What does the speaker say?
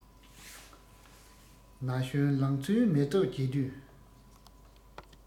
ན གཞོན ལང ཚོའི མེ ཏོག རྒྱས དུས